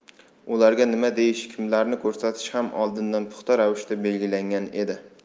ularga nima deyish kimlarni ko'rsatish ham oldindan puxta ravishda belgilangan edi